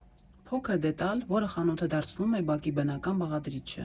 Փոքր դետալ, որը խանութը դարձնում է բակի բնական բաղադրիչը։